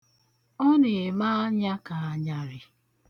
Ọ na-eme anya ka anyarị.